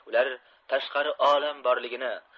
ular tashqi olam borligini